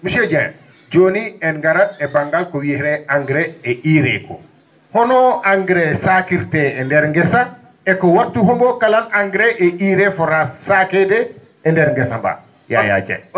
monsieur Dieng jooni en ngarat e ba?ngal ko wiyetee engrais et UREE ko hono engrais saakirtee e ndeer ngesa e ko wattu homboo kala engrais et :ra UREE nde fotaa saakeede e nder ngesa mbaa Yaya Dieng